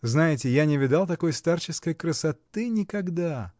Знаете: я не видал такой старческой красоты никогда.